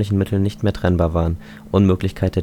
Mitteln nicht mehr trennbar waren (Unmöglichkeit